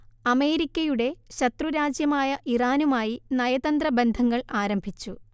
അമേരിക്കയുടെ ശത്രുരാജ്യമായ ഇറാനുമായി നയതന്ത്ര ബന്ധങ്ങൾ ആരംഭിച്ചു